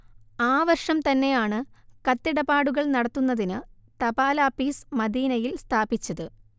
ആ വർഷം തന്നെയാണ് കത്തിടപാടുകൾ നടത്തുന്നതിനു തപാലാപ്പീസ് മദീനയിൽ സ്ഥാപിച്ചത്